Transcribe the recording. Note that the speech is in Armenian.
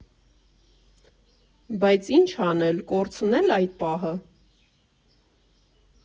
Բայց ի՞նչ անել, կորցնե՞լ այդ պահը։